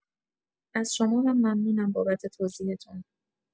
از شما هم ممنونم بابت توضیحتون.